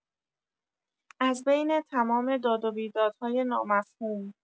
از بین تمام داد و بیدادهای نامفهوم